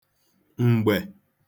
m̀gbè